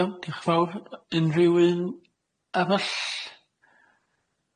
Iawn dioch yn fawr yy unryw un arall?